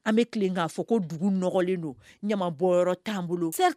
An be tilen ŋ'a fɔ ko dugu nɔgɔlen don ɲamacɛyɔrɔ t'an bolo